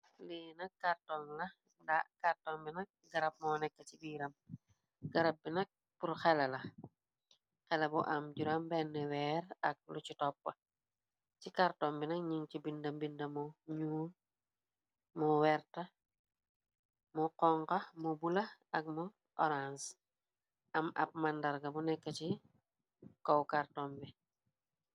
lii nak kàrton bi nak garab moo nekk ci biiram garab bi nak bur xela la xela bu am juram b weer ak lu ci topp ci kàrton bi na ñin ci binda mbindmu ñuu mo wert mu xonga mu bula ak mu orang am ab màndarga bu nekk ci kow carton bi.